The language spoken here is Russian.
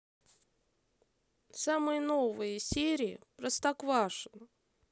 самые новые серии простоквашино